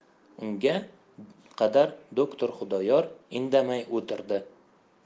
unga qadar doktor xudoyor indamay o'tirdi